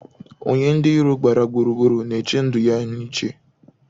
Onye ndị iro gbara gburugburu na-ache ndụ ya nche.